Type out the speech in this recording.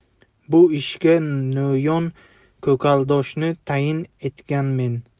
bu ishga no'yon ko'kaldoshni tayin etganmen